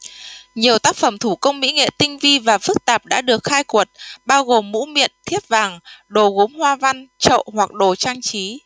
nhiều tác phẩm thủ công mỹ nghệ tinh vi và phức tạp đã được khai quật bao gồm mũ miện thiếp vàng đồ gốm hoa văn chậu hoặc đồ trang trí